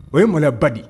O ye mɔnɛ ba di